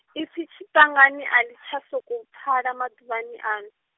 ipfi tshiṱangani a ḽi tsha sokou pfala maḓuvhani ano.